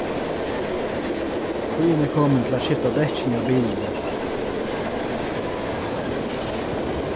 tíðin er komin til at skifta dekkini á bilinum